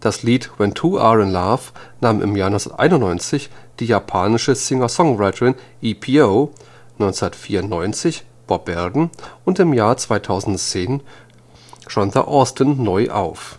Das Lied When 2 R in Love nahmen im Jahr 1991 die japanische Singer-Songwriterin EPO, 1994 Bob Belden und im Jahr 2010 Johnta Austin neu auf